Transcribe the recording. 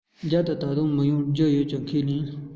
རྒྱབ དུ ད དུང མི ཡོང རྒྱུ ཡོད པ ཁས ལེན